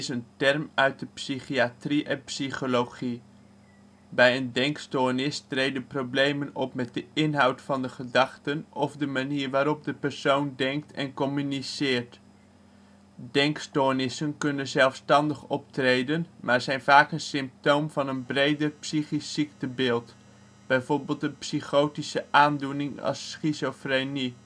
een term uit de psychiatrie en psychologie. Bij een denkstoornis treden problemen op met de inhoud van de gedachten of de manier waarop de persoon denkt en communiceert. Denkstoornissen kunnen zelfstandig optreden, maar zijn vaak een symptoom van een breder psychische ziektebeeld, bijvoorbeeld een psychotische aandoening als schizofrenie